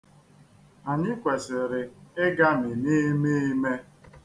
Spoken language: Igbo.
Anyị kwesịrị ịgami n'ime i'ime.